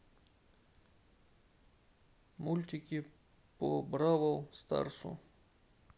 мультики по бравл старсу